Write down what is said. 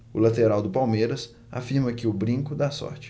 o lateral do palmeiras afirma que o brinco dá sorte